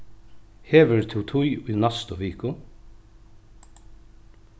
hevur tú tíð í næstu viku